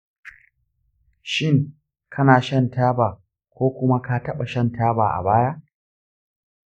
shin kana shan taba ko kuma ka taɓa shan taba a baya?